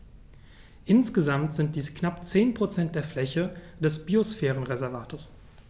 Insgesamt sind dies knapp 10 % der Fläche des Biosphärenreservates.